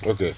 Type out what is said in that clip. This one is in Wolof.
ok